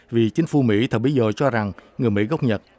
vì chính phủ mỹ thời bấy giờ cho rằng người mỹ gốc nhật